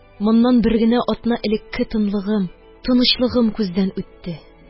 Моннан бер генә атна элекке тынлыгым, тынычлыгым күздән үтте.